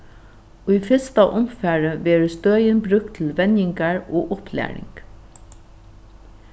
í fyrsta umfari verður støðin brúkt til venjingar og upplæring